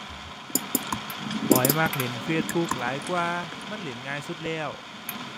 ข้อยมักเล่น Facebook หลายกว่า มันเล่นง่ายสุดแล้ว